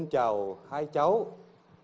ông chào hai cháu